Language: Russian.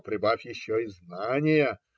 - Прибавь еще: и знания.